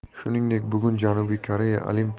shuningdek bugun janubiy koreya